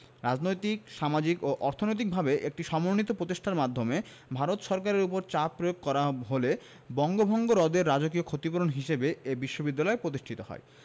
রাজনৈতিক সামাজিক ও অর্থনৈতিকভাবে একটি সমন্বিত প্রচেষ্টার মাধ্যমে ভারত সরকারের ওপর চাপ প্রয়োগ করা হলে বঙ্গভঙ্গ রদের রাজকীয় ক্ষতিপূরণ হিসেবে এ বিশ্ববিদ্যালয় প্রতিষ্ঠিত হয়